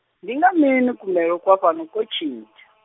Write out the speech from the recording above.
ndinga mini kumelo kwa fhano ko tshintsha?